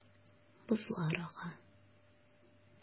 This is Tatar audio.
Бозлар ага.